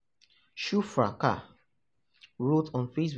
Shuvra Kar wrote on Facebook: